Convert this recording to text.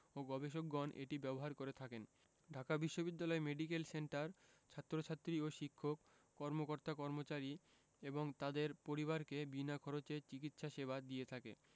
ও গবেষকগণ এটি ব্যবহার করে থাকেন ঢাকা বিশ্ববিদ্যালয় মেডিকেল সেন্টার ছাত্রছাত্রী ও শিক্ষক কর্মকর্তাকর্মচারী এবং তাদের পরিবারকে বিনা খরচে চিকিৎসা সেবা দিয়ে থাকে